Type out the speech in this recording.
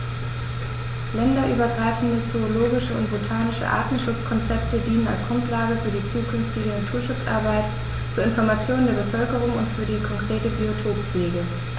Länderübergreifende zoologische und botanische Artenschutzkonzepte dienen als Grundlage für die zukünftige Naturschutzarbeit, zur Information der Bevölkerung und für die konkrete Biotoppflege.